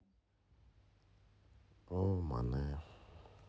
о манэ